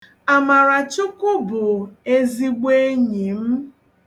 Amarachukwu bụ ezigbo enyi m.